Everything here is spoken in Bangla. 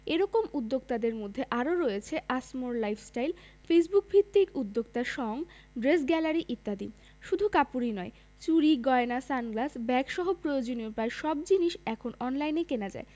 এ রকম উদ্যোক্তাদের মধ্যে আরও রয়েছে আসমোর লাইফস্টাইল ফেসবুকভিত্তিক উদ্যোক্তা সঙ ড্রেস গ্যালারি ইত্যাদি শুধু কাপড়ই নয় চুড়ি গয়না সানগ্লাস ব্যাগসহ প্রয়োজনীয় প্রায় সব জিনিস এখন অনলাইনে কেনা যায়